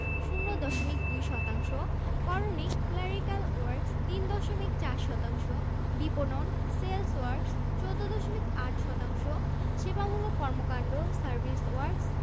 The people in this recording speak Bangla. কর্মসংস্থান ও পেশাঃ শ্রমশক্তি জরিপ ২০০২ ০৩ অনুযায়ী মোট কর্মরত জনসংখ্যার কারিগরি পেশায় নিয়োজিত টেকনিকাল প্রফেশনাল ৩ দশমিক ৮ শতাংশ প্রশাসন ও ব্যবস্থাপনা এডমিন এন্ড ম্যানেজেরিয়াল